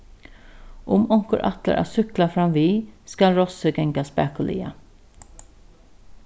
um onkur ætlar at súkkla framvið skal rossið ganga spakuliga